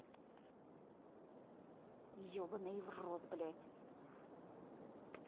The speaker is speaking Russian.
ебаный врот блядь